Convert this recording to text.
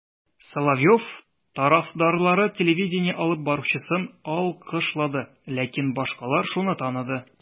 Соловьев тарафдарлары телевидение алып баручысын алкышлады, ләкин башкалар шуны таныды: